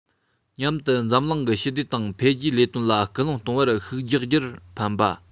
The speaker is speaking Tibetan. མཉམ དུ འཛམ གླིང གི ཞི བདེ དང འཕེལ རྒྱས ལས དོན ལ སྐུལ སྤེལ གཏོང བར ཤུགས རྒྱག རྒྱུར ཕན པ